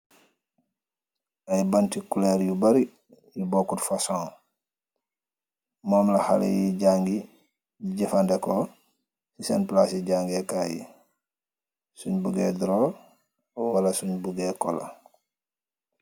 Ay banti culor yu bari yu bokku fason, moom la xale yi jàngi jëfandeko ci seen please jàngeekaay yi suñ buggey droor wala suñ bugee kola